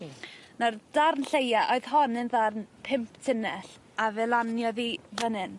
Hmm. Nawr darn lleia oedd hon yn ddarn pump tunnell a fe laniodd 'i fyn 'yn.